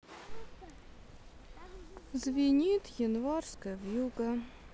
звенит январская вьюга